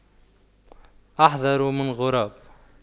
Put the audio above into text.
أحذر من غراب